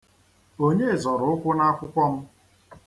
Onye zọrọ ụkwụ n'akwụkwọ m?